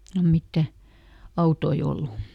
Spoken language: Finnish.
silloin mitään autoja ollut